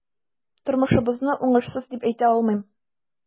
Тормышыбызны уңышсыз дип әйтә алмыйм.